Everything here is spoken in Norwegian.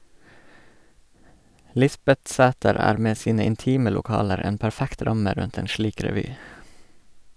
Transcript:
Lisbetsæter er med sine intime lokaler en perfekt ramme rundt en slik revy.